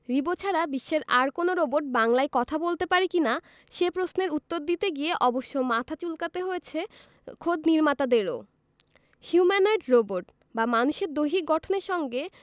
রিবো ছাড়া বিশ্বের আর কোনো রোবট বাংলায় কথা বলতে পারে কি না সে প্রশ্নের উত্তর দিতে গিয়ে অবশ্য মাথা চুলকাতে হয়েছে খোদ নির্মাতাদেরও হিউম্যানোয়েড রোবট বা মানুষের দৈহিক গঠনের সঙ্গে